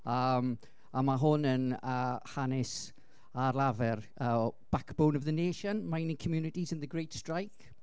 yym a ma' hwn yn hanes ar lafar o Backbone of the Nation. Mining Communities and the Great Strike.